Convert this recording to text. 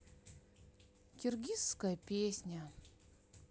киргизская песня